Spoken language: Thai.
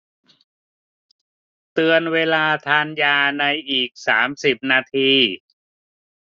เตือนเวลาทานยาในอีกสามสิบนาที